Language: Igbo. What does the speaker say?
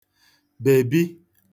bèbi